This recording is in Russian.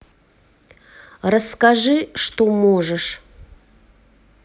расскажи что можешь